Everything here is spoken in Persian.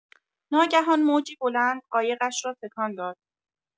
ناگهان موجی بلند قایقش را تکان داد.